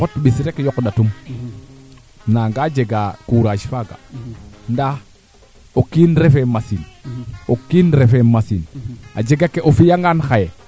kusax kaaga fook de ndimatir kam ax ke wo yaqe ax ke kaaga tax a tan axa faax a faaxa ndika ndeer kaa